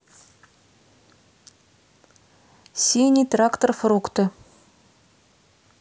синий трактор фрукты